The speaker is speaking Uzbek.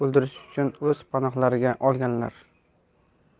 bilan o'ldirish uchun o'z panohlariga olganlar